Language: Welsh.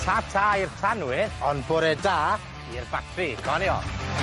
Tata i'r tanwydd, ond bore da i'r batri, 'co ni off.